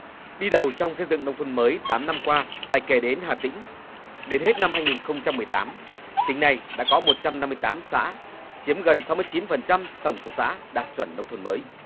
đi đầu trong xây dựng nông thôn mới tám năm qua phải kể đến hà tĩnh đến hết năm hai nghìn không trăm mười tám hiện nay đã có một trăm năm mươi tám xã chiếm gần sáu mươi chín phần trăm tổng số xã đạt chuẩn nông thôn mới